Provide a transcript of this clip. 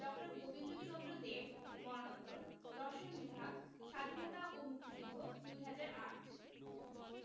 ড. গোবিন্দচন্দ্র দেব মরনোত্তর দর্শন বিভাগ স্বাধীনতা ও মুক্তিযুদ্ধ ২০০৮